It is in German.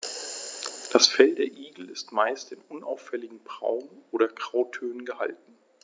Das Fell der Igel ist meist in unauffälligen Braun- oder Grautönen gehalten.